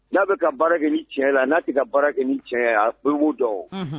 N'a bɛka ka baara kɛ ni cɛ la n'a se ka baara kɛ ni cɛ obugu dɔw